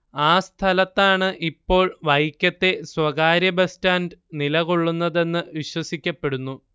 ആ സ്ഥലത്താണ് ഇപ്പോൾ വൈക്കത്തെ സ്വകാര്യ ബസ് സ്റ്റാന്റ് നിലകൊള്ളുന്നതെന്ന് വിശ്വസിക്കപ്പെടുന്നു